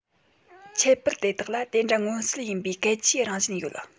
ཁྱད པར དེ དག ལ དེ འདྲ མངོན གསལ ཡིན པའི གལ ཆེའི རང བཞིན ཡོད